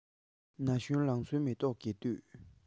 ན གཞོན ལང ཚོའི མེ ཏོག རྒྱས དུས